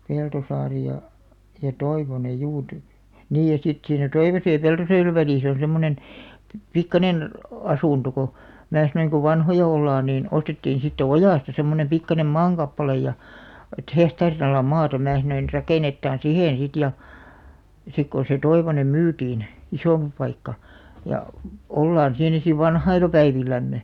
Peltosaari ja ja Toivonen juu - niin ja sitten siinä Toivosen ja Peltosaaren välissä on semmoinen - pikkuinen asunto kun minä sanoin kun vanhoja ollaan niin ostettiin sitten Ojasta semmoinen pikkuinen maankappale ja että hehtaarin ala maata minä sanoin rakennetaan siihen sitten ja sitten kun se Toivonen myytiin isompi paikka ja ollaan siinä sitten vanhoilla päivillämme